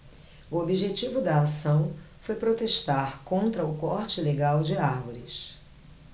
o objetivo da ação foi protestar contra o corte ilegal de árvores